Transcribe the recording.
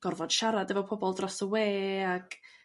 gorfod siarad efo pobol dros y we ag